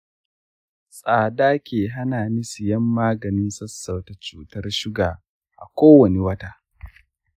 tsada ke hana ni siyan maganin sassauta cutar suga a kowane wata.